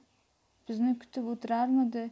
bizni kutib o'tirarmidi